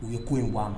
U ye ko in bu